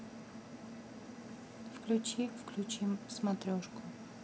включи включи смотрешку